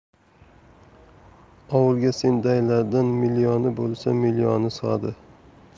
ovulga sendaylardan millioni bo'lsa millioni sig'adi